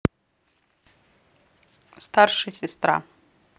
старшая сестра